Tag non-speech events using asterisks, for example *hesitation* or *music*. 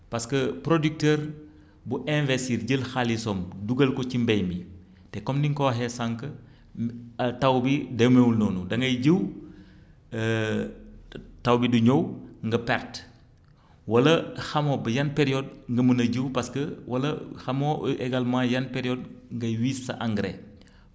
parce que producteur bu investir jël xaalisam dugal ko ci mbay mi te comme ni nga ko waxee sànq *hesitation* taw bi demeewul noonu da ngay jiw *hesitation* taw bi du ñëw *noise* nga perte wala xamoo ba yan période nga mën a jiw parce que wala xamoo également yan période ngay wis sa engrais *inhales*